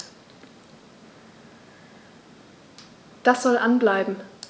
Das soll an bleiben.